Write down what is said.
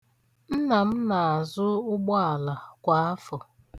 Nna m na-azụ ụgbọala kwa afọ.